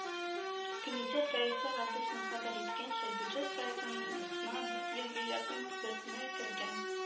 Комитет рәисе Гаделшин хәбәр иткәнчә, бюджет проектына дүрт йөзгә якын төзәтмә кергән.